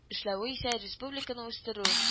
Эшләве исә республиканы үстерү